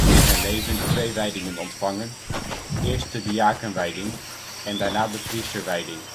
in zijn leven twee wijdingen ontvangen: eerst de diakenwijding en daarna de priesterwijding